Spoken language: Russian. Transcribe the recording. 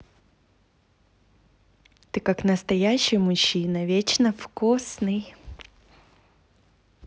ты как настоящий мужчина вечно вкусный